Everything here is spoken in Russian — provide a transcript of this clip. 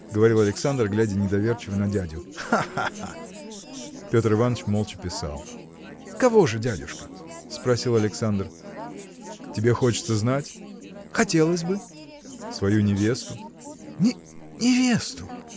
– говорил Александр, глядя недоверчиво на дядю, – ха, ха, ха! Петр Иваныч молча писал. – Кого же, дядюшка? – спросил Александр. – Тебе хочется знать? – Хотелось бы. – Свою невесту. – Не. невесту!